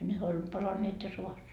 nehän oli palaneet jo sodassa